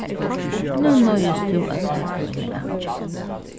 nú noyðist tú at taka eina avgerð